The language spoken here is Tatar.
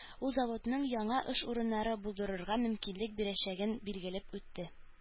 Ул заводның яңа эш урыннары булдырырга мөмкинлек бирәчәген билгеләп үтте